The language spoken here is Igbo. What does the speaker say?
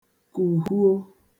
kùhuo